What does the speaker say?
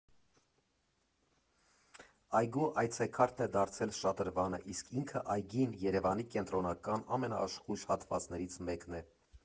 Այգու այցեքարտն է դարձել շատրվանը, իսկ ինքը ՝այգին, Երևանի կենտրոնի ամենաաշխույժ հատվածներից մեկն է։